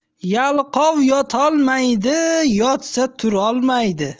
yalqov yotolmaydi yotsa turolmaydi